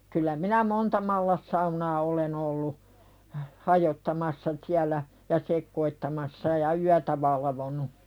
kyllä minä monta mallassaunaa olen ollut hajottamassa siellä ja sekoittamassa ja yötä valvonut